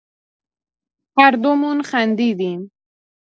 هر دومون خندیدیم.